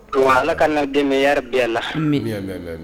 Don ala ka na dɛmɛyari bɛɛ la